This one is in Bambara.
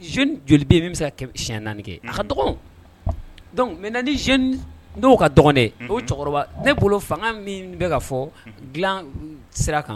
Z joli bɛ min si naani kɛ a ka dɔgɔnin dɔnku mɛ ni z n dɔw ka dɔgɔn dɛ o cɛkɔrɔba ne bolo fanga min bɛ ka fɔ dila sira kan